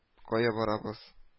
Кая барабыз